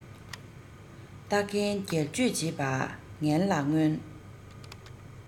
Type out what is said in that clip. རྟ རྒན སྒལ བཅོས བྱེད པ ངན ལ མངོན